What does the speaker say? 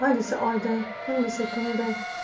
oy desa oyday kun desa kunday